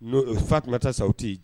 N fa tun taa sa o tɛ yen